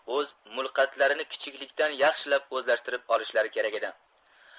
o'z mulqatlarini kichiklikdan yaxshilab o'zlashtirib olishlari kerak edi